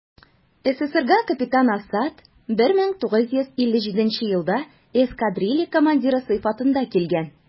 СССРга капитан Асад 1957 елда эскадрилья командиры сыйфатында килгән.